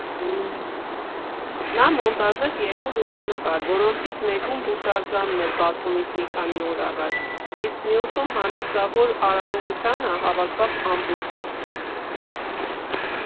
Նա մոնտաժեց երկու լուսանկար, որոնցից մեկում հուշարձանն էր բացումից մի քանի օր առաջ, իսկ մյուսում՝ հանդիսավոր արարողությանը հավաքված ամբոխը։